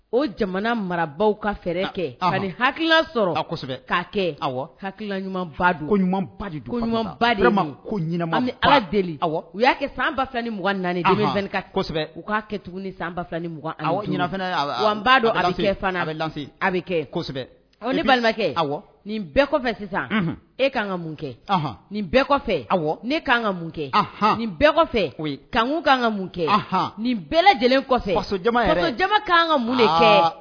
O jamana marabagaw ka fɛɛrɛ kɛ ha sɔrɔ ka kɛ ɲuman ala deli u y'a kɛ sanugansɛbɛ u k'a kɛ tuguni ni san b'a bɛ bɛ balimakɛ nin bɛɛ kɔfɛ sisan e ka ka mun kɛ nin bɛɛ kɔfɛ ne ka ka mun kɛ nin bɛɛ kɔfɛ ka ka mun kɛ nin bɛɛ lajɛlen kɔfɛ ka mun